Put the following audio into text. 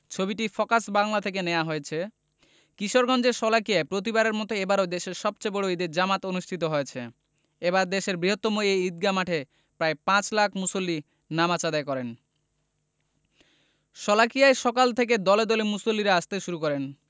ছবিটি ফোকাস বাংলা থেকে নেয়া হয়েছে কিশোরগঞ্জের শোলাকিয়ায় প্রতিবারের মতো এবারও দেশের সবচেয়ে বড় ঈদের জামাত অনুষ্ঠিত হয়েছে এবার দেশের বৃহত্তম এই ঈদগাহ মাঠে প্রায় পাঁচ লাখ মুসল্লি নামাজ আদায় করেন শোলাকিয়ায় সকাল থেকে দলে দলে মুসল্লিরা আসতে শুরু করেন